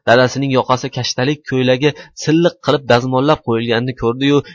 dadasining yoqasi kashtalik ko'ylagi silliq qilib dazmollab qo'yilganini ko'rdi yu